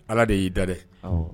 Ala de y'i da dɛ